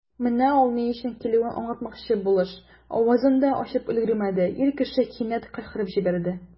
Менә ул, ни өчен килүен аңлатмакчы булыш, авызын да ачып өлгермәде, ир кеше кинәт кычкырып җибәрде.